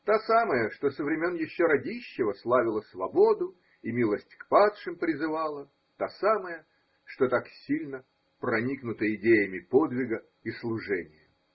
та самая, что со времен еще Радищева славила свободу и милость к падшим призывала, та самая, что так сильно проникнута идеями подвига и служения?